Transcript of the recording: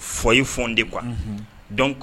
Fɔ ye fɔ de kuwa